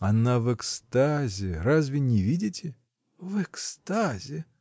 — Она в экстазе: разве не видите? — В экстазе!